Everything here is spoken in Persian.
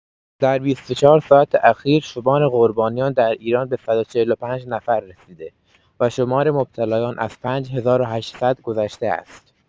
در بیست و چهار ساعت اخیر شمار قربانیان در ایران به ۱۴۵ نفر رسیده و شمار مبتلایان از ۵ هزار و هشتصد گذشته است.